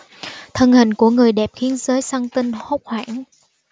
thân hình của người đẹp khiến giới săn tin hốt hoảng